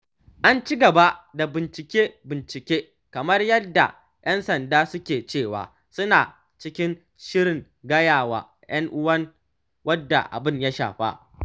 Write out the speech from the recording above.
Ana ci gaba da bincike-bincike kamar yadda ‘yan sanda suke cewa suna cikin shirin gaya wa ‘yan uwan wadda abin ya shafa.